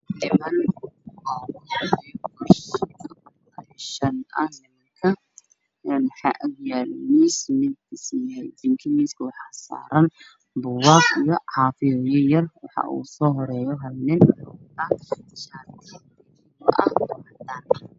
Waa meel hool waxaa jooga niman ka oo ku fadhiyaan kuraas miisaas ayaa horyaalo